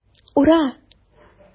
Ура!